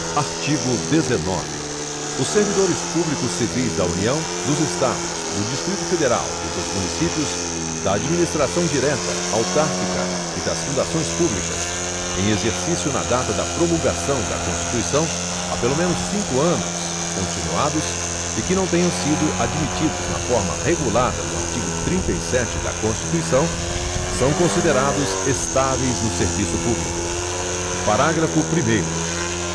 artigo dezenove os servidores públicos civis da união dos estados do distrito federal e dos municípios da administração direta autárquica e das fundações públicas em exercício na data da promulgação da constituição há pelo menos cinco anos continuados e que não tenham sido admitidos na forma regulada no artigo trinta e sete da constituição são considerados estáveis no serviço público parágrafo primeiro